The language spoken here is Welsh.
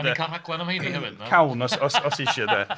Dan ni'n cael rhaglen am rheini hefyd yndan?... Cawn os os ti isio, 'de. .